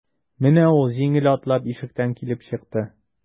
Менә ул җиңел атлап ишектән килеп чыкты.